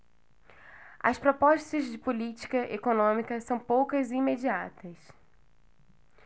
as propostas de política econômica são poucas e imediatas